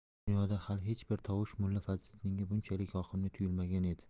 dunyoda hali hech bir tovush mulla fazliddinga bunchalik yoqimli tuyulmagan edi